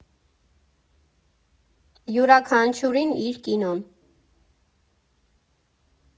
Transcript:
Յուրաքանչյուրին իր կինոն։